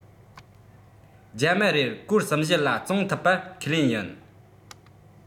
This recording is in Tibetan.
རྒྱ མ རེར གོར གསུམ བཞི ལ བཙོངས ཐུབ པ ཁས ལེན ཡིན